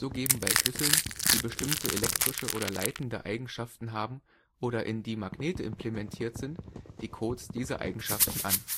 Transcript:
geben bei Schlüsseln, die bestimmte elektrische/leitende Eigenschaften haben oder in die Magnete implementiert sind, die Codes diese Eigenschaften an